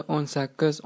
o'n sakkiz